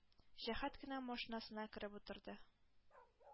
Җәһәт кенә машинасына кереп утырды.